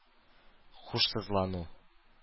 Һушсызлану